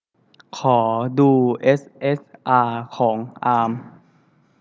ขอดูเอสเอสอาของอาม